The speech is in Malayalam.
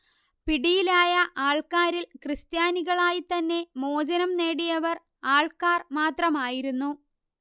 പിടിയിലായ ആൾക്കാരിൽ ക്രിസ്ത്യാനികളായിത്തന്നെ മോചനം നേടിയവർ ആൾക്കാർ മാത്രമായിരുന്നു